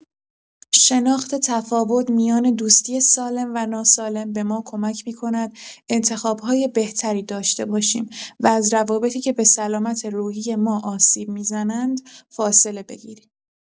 شناخت تفاوت میان دوستی سالم و ناسالم به ما کمک می‌کند انتخاب‌های بهتری داشته باشیم و از روابطی که به سلامت روحی ما آسیب می‌زنند فاصله بگیریم.